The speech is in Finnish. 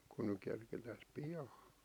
kun nyt kerittäisiin pian